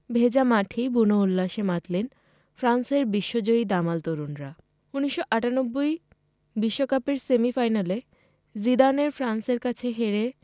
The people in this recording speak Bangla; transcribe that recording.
ভেজা মাঠেই বুনো উল্লাসে মাতলেন ফ্রান্সের বিশ্বজয়ী দামাল তরুণরা ১৯৯৮ বিশ্বকাপের সেমিফাইনালে জিদানের ফ্রান্সের কাছে হেরে